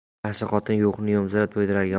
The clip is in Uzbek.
yaxshi xotin yo'qni yo'mzab to'ydirar